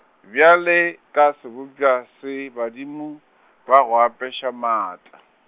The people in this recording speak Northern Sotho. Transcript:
bjale ka sebopša se badimo, ba go apeša maatla.